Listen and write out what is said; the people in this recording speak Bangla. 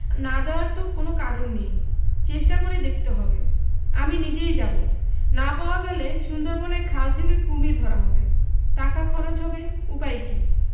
না দেওয়ার তো কোন কারণ নেই চেষ্টা করে দেখতে হবে আমি নিজেই যাব না পাওয়া গেলে সুন্দরবনের খাল থেকে কুমীর ধরা হবে টাকা খরচ হবে উপায় কি